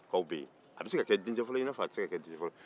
a bɛ se ka kɛ dencɛ fɔlɔ ye i n'a fɔ a tɛ se ka kɛ dencɛ fɔlɔ ye